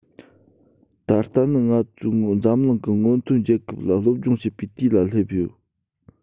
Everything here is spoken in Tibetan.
ད ལྟ ནི ང ཚོས འཛམ གླིང གི སྔོན ཐོན རྒྱལ ཁབ ལ སློབ སྦྱོང བྱེད པའི དུས ལ སླེབས ཡོད